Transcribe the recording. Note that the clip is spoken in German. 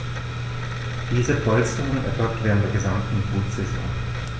Diese Polsterung erfolgt während der gesamten Brutsaison.